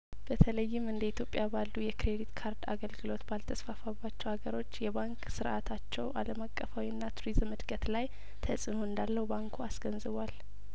በተለይም እንደ ኢትዮጵያ ባሉ የክሬዲት ካርድ አገልግሎት ባልተስፋፋባቸው አገሮች የባንክ ስርአታቸው አለማቀፋዊና ቱሪዝም እድገት ላይ ተጽእኖ እንዳለው ባንኩ አስገንዝቧል